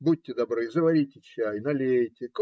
Будьте добры, заварите чай, налейте.